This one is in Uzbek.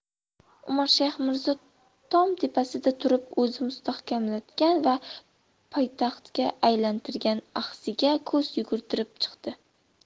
umarshayx mirzo tom tepasida turib o'zi mustahkamlatgan va poytaxtga aylantirgan axsiga ko'z yugurtirib chiqdi